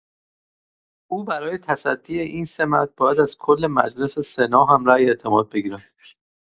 او برای تصدی این سمت باید از کل مجلس سنا هم رای اعتماد بگیرد.